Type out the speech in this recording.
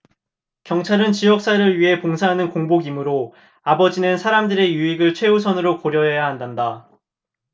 경찰은 지역 사회를 위해 봉사하는 공복이므로 아버지는 사람들의 유익을 최우선적으로 고려한단다